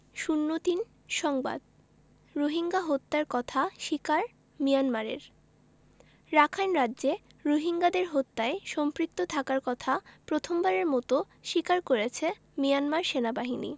০৩ সংবাদ রোহিঙ্গা হত্যার কথা স্বীকার মিয়ানমারের রাখাইন রাজ্যে রোহিঙ্গাদের হত্যায় সম্পৃক্ত থাকার কথা প্রথমবারের মতো স্বীকার করেছে মিয়ানমার সেনাবাহিনী